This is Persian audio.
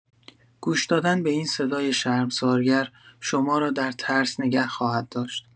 گوش‌دادن به این صدای شرمسارگر، شما را در ترس نگه خواهد داشت.